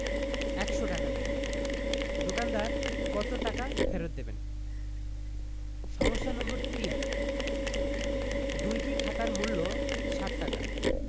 ১০০ টাকা দেয় দোকানদার কত টাকা ফেরত দেবেন সমস্যা নম্বর ৩ দুইটি খাতার মূল্য ৬০ টাকা